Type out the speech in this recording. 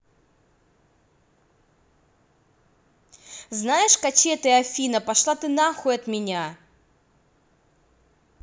знаешь кочеты афина пошла ты нахуй от меня